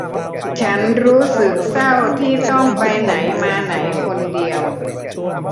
ฉันรู้สึกเศร้าที่ต้องไปไหนมาไหนคนเดียว